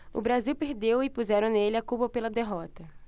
o brasil perdeu e puseram nele a culpa pela derrota